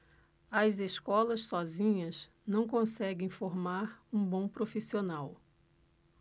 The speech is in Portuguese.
as escolas sozinhas não conseguem formar um bom profissional